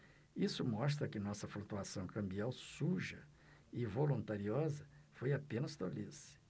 isso mostra que nossa flutuação cambial suja e voluntariosa foi apenas tolice